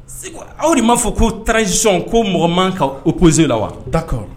Segu aw de m'a fɔ ko tasisi ko mɔgɔ man ka o kosee la wa